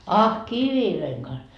ah kivien kanssa